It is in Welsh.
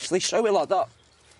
Sleisio wîlod o